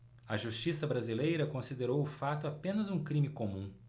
a justiça brasileira considerou o fato apenas um crime comum